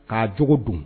Ka tugu dun?